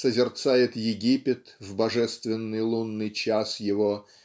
созерцает Египет в божественный лунный час его